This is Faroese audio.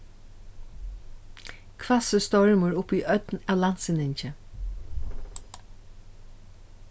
hvassur stormur upp í ódn av landsynningi